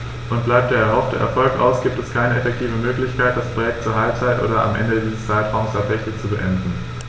Und bleibt der erhoffte Erfolg aus, gibt es keine effektive Möglichkeit, das Projekt zur Halbzeit oder am Ende dieses Zeitraums tatsächlich zu beenden.